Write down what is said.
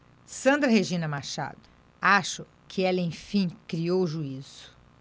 sandra regina machado acho que ela enfim criou juízo